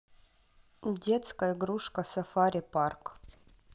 детская игрушка сафари парк